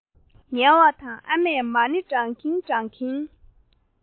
ཉལ བ དང ཨ མས མ ཎི བགྲང གིན བགྲང གིན